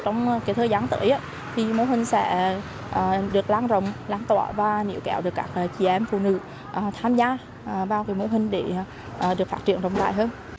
trong thời gian tới thì mô hình sẽ được lan rộng lan tỏa và níu kéo được các chị em phụ nữ tham gia vào mô hình để được phát triển rộng rãi hơn